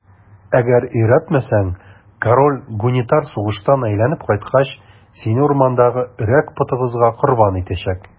Әгәр өйрәтмәсәң, король Гунитар сугыштан әйләнеп кайткач, сине урмандагы Өрәк потыгызга корбан итәчәк.